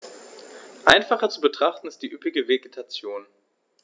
Einfacher zu betrachten ist die üppige Vegetation.